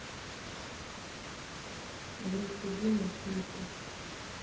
группа бумер клипы